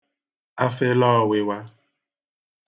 afele ọ̄wị̄wā